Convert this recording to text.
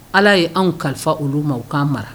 Ala y ye anw kalifa olu ma u k'an mara